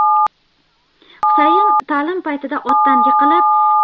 husayn ta'lim paytida otdan yiqilib